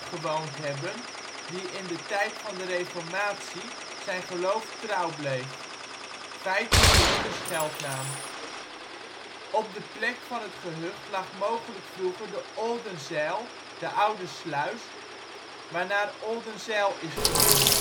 gewoond hebben die in de tijd van de reformatie zijn geloof trouw bleef. Feitelijk is het een scheldnaam. Op de plek van het gehucht lag mogelijk vroeger de ' Oldenzijl ' (oude sluis), waarnaar Oldenzijl is vernoemd.